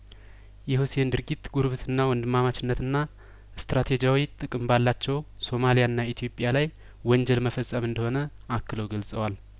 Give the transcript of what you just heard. የሁሴን ድርጊት ጉርብትና ወንድማማችነትና ስትራቴጂያዊ ጥቅም ባላቸው ሶማሊያና ኢትዮጵያ ላይ ወንጀል መፈጸም እንደሆነ አክለው ገልጸዋል